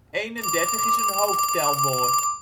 Eenendertig is een hoofdtelwoord